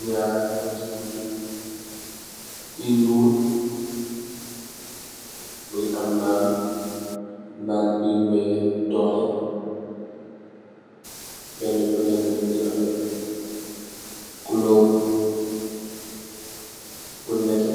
ngah ñyeti gutui yu nyuul bi am naan naan bui meyeh doleh bena bu neka Mungi ameh kulorr bu neteh